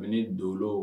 Ani ni don